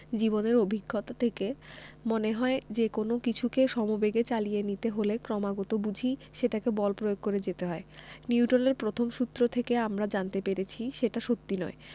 জীবনের অভিজ্ঞতা থেকে মনে হয় যেকোনো কিছুকে সমবেগে চালিয়ে নিতে হলে ক্রমাগত বুঝি সেটাতে বল প্রয়োগ করে যেতে হয় নিউটনের প্রথম সূত্র থেকে আমরা জানতে পেরেছি সেটা সত্যি নয়